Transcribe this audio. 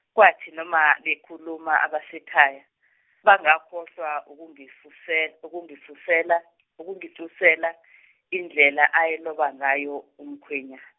kwathi noma bekhuluma abasekhaya bangakhohlwa ukungisuse- ukungisusela- ukutusa indlela ayeloba ngayo umkhwenyana.